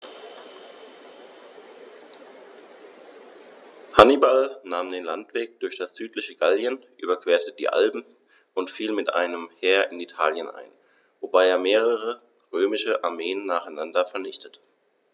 Hannibal nahm den Landweg durch das südliche Gallien, überquerte die Alpen und fiel mit einem Heer in Italien ein, wobei er mehrere römische Armeen nacheinander vernichtete.